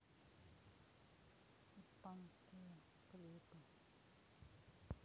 испанские клипы